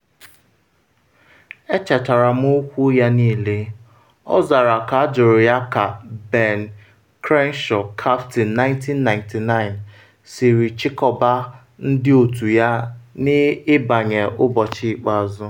“Echetara m okwu ya niile,” ọ zara ka ajụrụ ya ka Ben Crenshaw kaptịn 1999 siri chịkọba ndị otu ya n’ịbanye ụbọchị ikpeazụ.